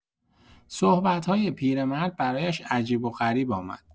صحبت‌های پیرمرد برایش عجیب و غریب آمد.